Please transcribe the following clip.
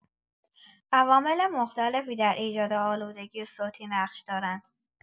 عوامل مختلفی در ایجاد آلودگی صوتی نقش دارند.